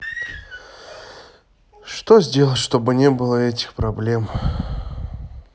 что сделать чтобы не было этих проблем